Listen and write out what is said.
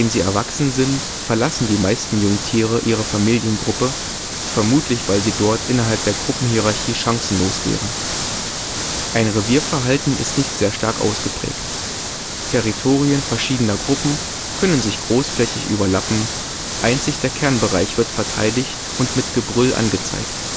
sie erwachsen sind, verlassen die meisten Jungtiere ihre Familiengruppe, vermutlich weil sie dort innerhalb der Gruppenhierarchie chancenlos wären. Ein Revierverhalten ist nicht sehr stark ausgeprägt, Territorien verschiedener Gruppen können sich großflächig überlappen, einzig der Kernbereich wird verteidigt und mit Gebrüll angezeigt